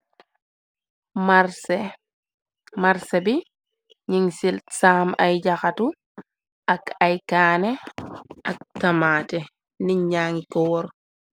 Màrsé bi. ning ci saam ay jaxatu, ak ay kaané, ak tamaaté, nit nangi ko wor.